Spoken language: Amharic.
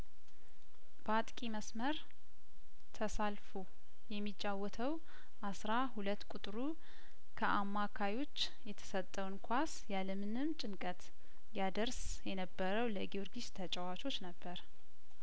በአጥቂ መስመር ተሳልፎ የሚጫወተው አስራ ሁለት ቁጥሩ ከአማካዮች የተሰጠውን ኳስ ያለምንም ጭንቀት ያደርስ የነበረው ለጊዮርጊስ ተጫዋቾች ነበር